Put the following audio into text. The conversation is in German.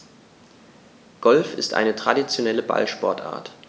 Golf ist eine traditionelle Ballsportart.